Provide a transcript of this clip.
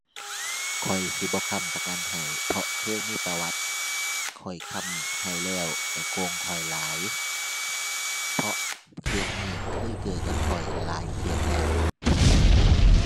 ข้อยสิบ่ค้ำประกันให้ เพราะเคยมีประวัติ ข้อยค้ำให้แล้วก็โกงข้อยหลาย เพราะเคสนี้เคยเกิดกับข้อยหลายเคสแล้ว